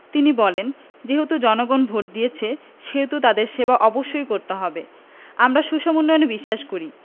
তিনি বলেন যেহেতু জনগণ ভোট দিয়েছে সেহেতু তাদের সেবা অবশ্যই করতে হবে আমরা সুষম উন্নয়নে বিশ্বাস করি